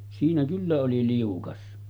siinä kyllä oli liukas